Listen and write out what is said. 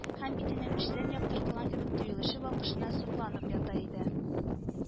Һәм битенең эчтән яктыртылган кебек тоелучы балкышына сокланып ята иде